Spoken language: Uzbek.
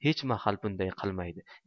hechmahal bunday qilmaydi